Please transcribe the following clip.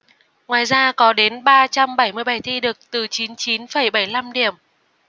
ngoài ra có đến ba trăm bảy mươi bài thi được từ chín chín phẩy bảy năm điểm